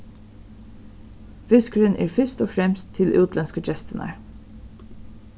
fiskurin er fyrst og fremst til útlendsku gestirnar